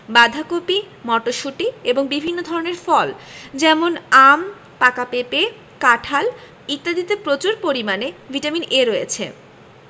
বাঁধাকপি মটরশুঁটি এবং বিভিন্ন ধরনের ফল যেমন আম পাকা পেঁপে কাঁঠাল ইত্যাদিতে প্রচুর পরিমানে ভিটামিন A রয়েছে